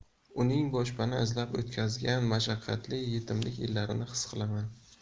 uning boshpana izlab o'tkazgan mashaqqatli yetimlik yillarini xis qilaman